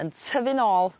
yn tyfu nôl